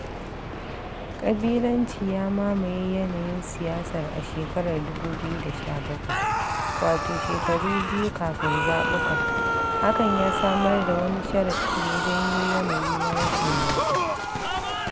ƙabilanci ya mamaye yanayin siyasar a shekarar 2017, wato shekaru biyu kafin zaɓuka, hakan ya samar da wani sharaɗi da ya janyo yanayi na rashin yarda.